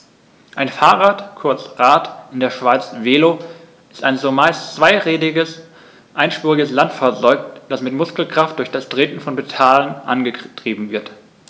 Ein Fahrrad, kurz Rad, in der Schweiz Velo, ist ein zumeist zweirädriges einspuriges Landfahrzeug, das mit Muskelkraft durch das Treten von Pedalen angetrieben wird.